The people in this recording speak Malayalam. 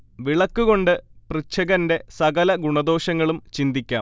വിളക്കു കൊണ്ട് പൃച്ഛകന്റെ സകല ഗുണദോഷങ്ങളും ചിന്തിക്കാം